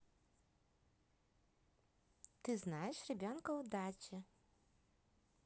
ты знаешь ребенка удачи